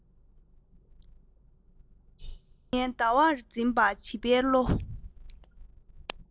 གཟུགས བརྙན ཟླ བར འཛིན པ བྱིས པའི བློ